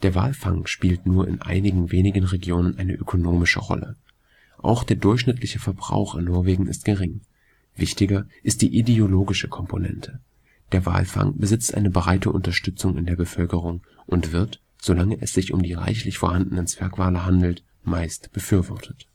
Walfang spielt nur in einigen wenigen Regionen eine ökonomische Rolle. Auch der durchschnittliche Verbrauch in Norwegen ist gering. Wichtiger ist die ideologische Komponente: Der Walfang besitzt eine breite Unterstützung in der Bevölkerung und wird, solange es sich um die reichlich vorhandenen Zwergwale handelt, meist befürwortet